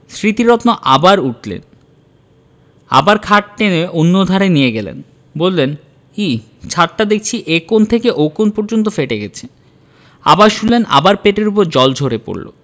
স্মৃতিরত্ন আবার উঠলেন আবার খাট টেনে অন্যধারে নিয়ে গেলেন বললেন ইঃ ছাতটা দেখচি এ কোণ থেকে ও কোণ পর্যন্ত ফেটে গেছে আবার শুলেন আবার পেটের উপর জল ঝরে পড়ল